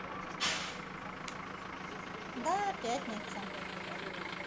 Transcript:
да пятница